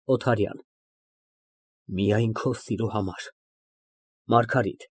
ՕԹԱՐՅԱՆ ֊ Միայն քո սիրո համար։ (Համբուրում է)։